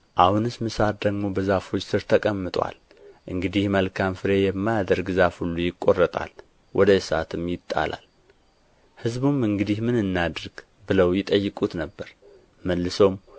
አሁንስ ምሳር ደግሞ በዛፎች ሥር ተቀምጦአል እንግዲህ መልካም ፍሬ የማያደርግ ዛፍ ሁሉ ይቆረጣል ወደ እሳትም ይጣላል ሕዝቡም እንግዲህ ምን እናድርግ ብለው ይጠይቁት ነበር መልሶም